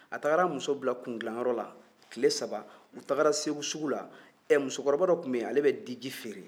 a tagara a muso bila kundilan yɔrɔ la tile saba u taara segu sugu la ɛ musokɔrɔba dɔ tun bɛ yen ale bɛ diji feere